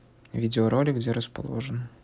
видеоролик где расположен